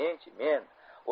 men chi